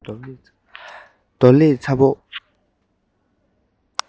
རྡོ ལེབ ཚ བོ